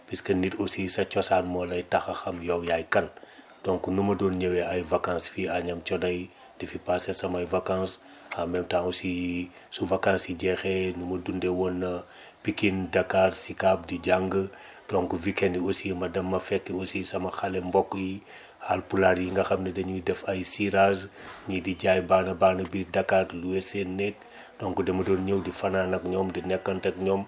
puisque nit aussi sa coosaan moo lay tax nga xam yow yaay kan donc nu ma doon ñëwee ay vacances fii Agnam Thioday di fi passé samay vancances en même temps aussi su vacances yi jeexee nu ma dundee woon Pikine Dakar sicap di jàng donc week end aussi ma dem ma fekk aussi sama xale mbokk yi alpulaar yi nga xam ne ñu ngi def ay cirage ñii di jaay baana-baana biir Dakar loué seen néeg donc dama doon ñëw di fanaan ak ñoom di nekkanteeg ñoom